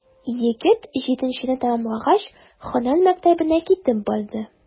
Егет, җиденчене тәмамлагач, һөнәр мәктәбенә китеп барды.